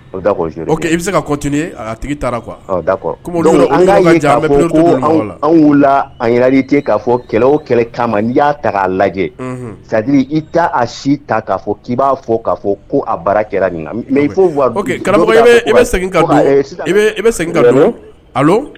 O da i bɛ se kat tigi an k'a fɔ kɛlɛ o kɛlɛ kama n ya ta'a lajɛ sa i ta a si ta k' fɔ k'i b'a fɔ k'a fɔ ko a baara kɛra nin na mɛ segin segin